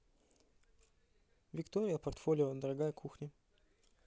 виктория портфолио дорогая кухня